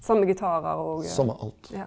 same gitarar og ja.